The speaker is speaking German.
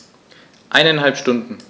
Eineinhalb Stunden